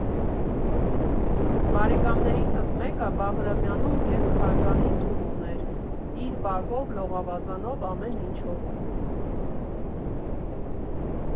Բարեկամներիցս մեկը Բաղրամյանում երկհարկանի տուն ուներ՝ իր բակով, լողավազանով, ամեն ինչով։